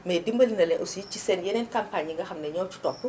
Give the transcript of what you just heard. mais dimbali na leen aussi ci seen yeneen campagnes yi nga xam ni ñoo si toppu